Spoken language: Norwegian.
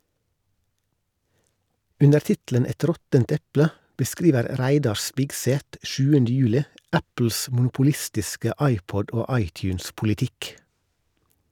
Under tittelen "Et råttent eple" beskriver Reidar Spigseth 7. juli Apples monopolistiske iPod- og iTunes-politikk.